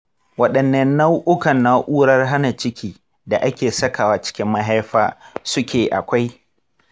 waɗanne nau’ukan na’urar hana ciki da ake sakawa cikin mahaifa suke akwai?